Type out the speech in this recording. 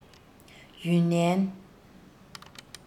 ཡུན ནན